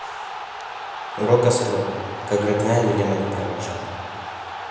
рок острова как родная меня мать провожала